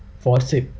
โฟธสิบ